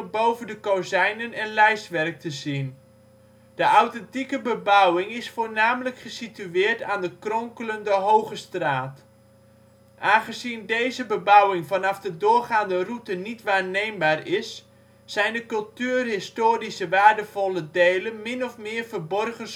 boven de kozijnen en lijstwerk te zien. De authentieke bebouwing is voornamelijk gesitueerd aan de kronkelende Hogestraat. Aangezien deze bebouwing vanaf de doorgaande route niet waarneembaar is, zijn de cultuurhistorische waardevolle delen min of meer " verborgen